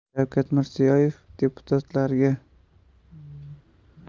shavkat mirziyoyev deputatlarga